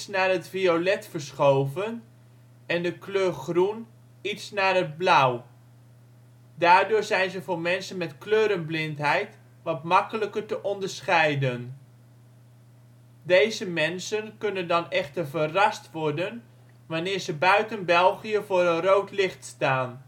naar het violet verschoven en de kleur groen iets naar het blauw. Daardoor zijn ze voor mensen met kleurenblindheid wat makkelijker te onderscheiden. Deze mensen kunnen dan echter verrast worden wanneer ze buiten België voor een rood licht staan